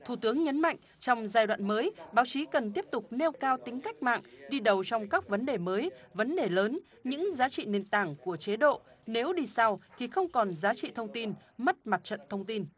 thủ tướng nhấn mạnh trong giai đoạn mới báo chí cần tiếp tục nêu cao tính cách mạng đi đầu trong các vấn đề mới vấn đề lớn những giá trị nền tảng của chế độ nếu đi sau thì không còn giá trị thông tin mất mặt trận thông tin